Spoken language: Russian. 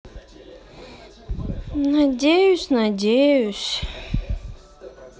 надеюсь надеюсь